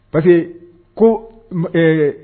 Pa ko